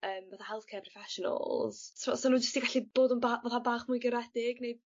yym fatha healthcare professionals so os o' n'w jyst di gallu bod yn ba- fatha bach mwy garedig neu